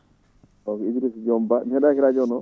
o ko Idrissa Diom Ba mi heeɗaki radio noon